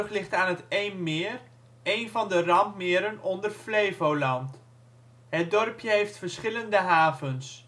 ligt aan het Eemmeer, één van de randmeren onder Flevoland. Het dorpje heeft verschillende havens